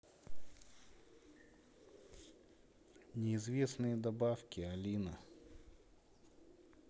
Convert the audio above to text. неизвестные добавки алина